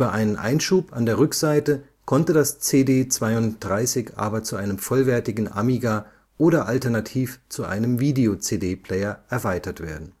einen Einschub an der Rückseite konnte das CD³² aber zu einem vollwertigen Amiga oder alternativ zu einem Video-CD-Player erweitert werden